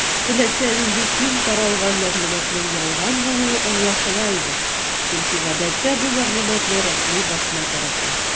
Теләсә нинди киң таралган мәгълүматның ялган булуы аңлашыла иде, чөнки гадәттә бу мәгълүматны рәсми басма тарата.